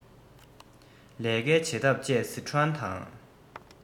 ལས ཀའི བྱེད ཐབས བཅས སི ཁྲོན དང